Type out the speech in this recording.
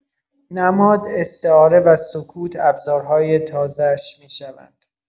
نماد، استعاره و سکوت، ابزارهای تازه‌اش می‌شوند.